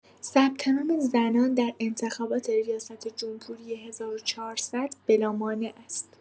ثبت‌نام زنان در انتخابات ریاست‌جمهوری ۱۴۰۰، بلامانع است.